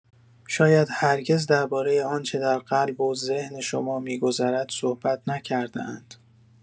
شاید هرگز درباره آنچه در قلب و ذهن شما می‌گذرد صحبت نکرده‌اند.